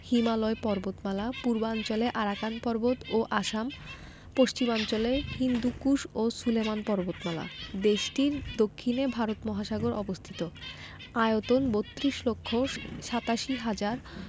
হিমালয় পর্বতমালা পূর্বাঞ্চলে আরাকান পর্বত ও আসামপশ্চিমাঞ্চলে হিন্দুকুশ ও সুলেমান পর্বতমালাদেশটির দক্ষিণে ভারত মহাসাগর অবস্থিত আয়তন ৩২ লক্ষ ৮৭ হাজার